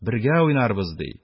Бергә уйнарбыз, ди.